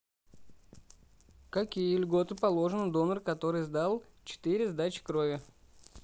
какие льготы положены донору который сдал четыре сдачи крови